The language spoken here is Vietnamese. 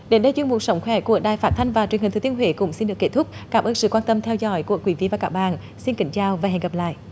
đến đây chuyên mục sống khỏe của đài phát thanh và truyền hình thừa thiên huế cũng xin được kết thúc cảm ơn sự quan tâm theo dõi của quý vị và các bạn xin kính chào và hẹn gặp lại